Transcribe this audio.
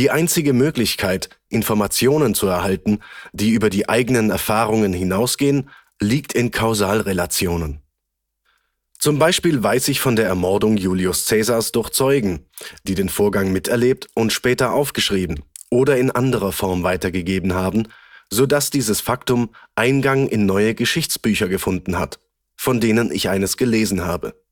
einzige Möglichkeit, Informationen zu erhalten, die über die eigenen Erfahrungen hinausgehen, liegt in Kausalrelationen. Zum Beispiel weiß ich von der Ermordung Julius Caesars durch Zeugen, die den Vorgang miterlebt und später aufgeschrieben oder in anderer Form weitergegeben haben, so dass dieses Faktum Eingang in neue Geschichtsbücher gefunden hat, von denen ich eines gelesen habe